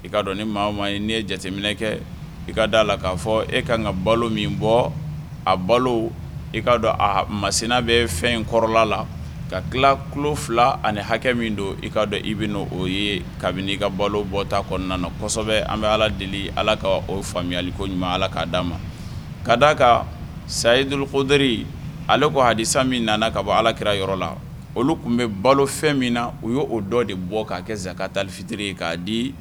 I kaa dɔn ni maa ma n' ye jateminɛ kɛ i ka da la k'a fɔ e ka kan ka balo min bɔ a balo i'a dɔn a masina bɛ fɛn in kɔrɔla la ka tila tulo fila ani hakɛ min don i kaa dɔn i bɛ o ye kabini i ka balo bɔ ta kɔnɔnasɔsɛbɛ an bɛ ala deli ala k' o faamuyayali ko ɲuman ala k'a d'a ma ka d'a ka sayayidu kodri ale ko halidisa min nana ka bɔ alaki yɔrɔ la olu tun bɛ balo fɛn min na u y'o o dɔ de bɔ ka kɛka taa fitiri k'a di